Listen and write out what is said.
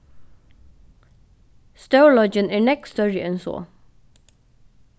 stórleikin er nógv størri enn so